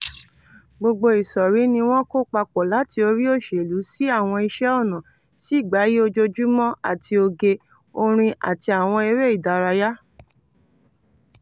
Gbogbo ìsọ̀rí ní wọ́n kó papọ̀ láti orí òṣèlú sí àwọn iṣẹ́ ọnà, sí ìgbáyé ojoojúmọ́ àti oge, orin àti àwọn eré ìdárayá.